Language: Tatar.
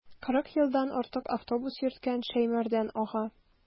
Кырык елдан артык автобус йөрткән Шәймәрдан ага.